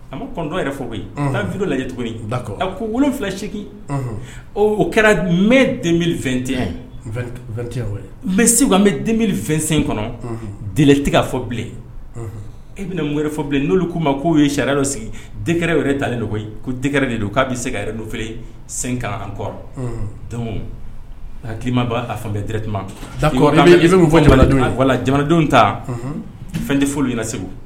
A ma kɔntɔn yɛrɛ fɔ yen nfi lajɛ cogo ba ko wolofilasegin o kɛra mɛ den tɛ ye n bɛ segu an bɛ den fɛn sen kɔnɔ deli tigɛ fɔ bilen e bɛna n yɛrɛ fɔ bilen n'olu'u ma k'o ye sariya dɔ sigi deɛrɛ yɛrɛ talen don koyi ko dɛɛrɛ de don k'a bɛ se ka yɛrɛ n fɛ sen ka an kɔrɔ don'limaba a fa bɛ dti i bɛ fɔ jamana jamanadenw ta fɛn tɛ fo ɲɛna na segu